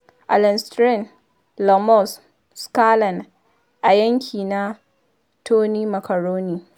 Alasdair Lamont Scotland a Yanki na Tony Macaroni